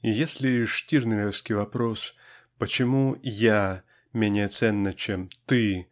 и если штирнеровский вопрос "почему "я" менее ценно чем "ты"